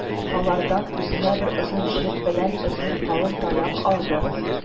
Алардан үзенә бер озын җеп белән озын калын таяк алды